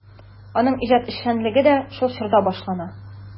Аның иҗат эшчәнлеге дә шул чорда башлана.